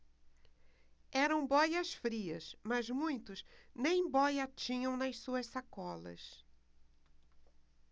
eram bóias-frias mas muitos nem bóia tinham nas suas sacolas